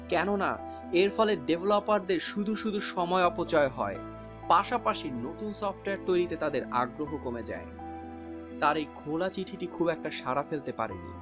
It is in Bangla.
কেননা এর ফলে ডেভেলপারদের শুধু শুধু সময় অপচয় হয় পাশাপাশি নতুন সফটওয়্যার তৈরিতে তাদের আগ্রহ কমে যায় তার এই খোলা চিঠিটি খুব একটা সাড়া ফেলতে পারেনি